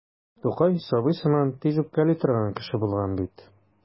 Тукай сабый сыман тиз үпкәли торган кеше булган бит.